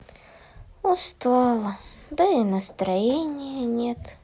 устала да и настроения нет